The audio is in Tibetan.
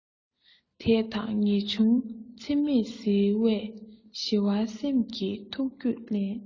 དད དང ངེས འབྱུང འཚེ མེད ཟིལ བས ཞི བའི སེམས ཀྱི ཐུགས རྒྱུད བརླན